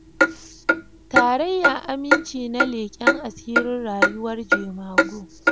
Tarayya Aminci na leken asirin rayuwar jemagu